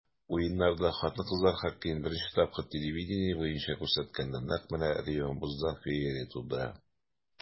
Уеннарда хатын-кызлар хоккеен беренче тапкыр ТВ буенча күрсәткәндә, нәкъ менә Реом бозда феерия тудыра.